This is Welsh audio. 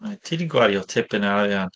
Reit, ti 'di gwario tipyn o arian.